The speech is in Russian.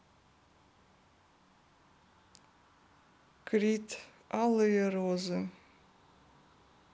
крид алые розы